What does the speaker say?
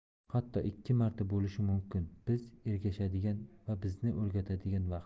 hatto ikki marta bo'lishi mumkin biz ergashadigan va bizni o'zgartiradigan vaqt